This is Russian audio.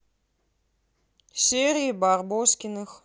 серия барбоскиных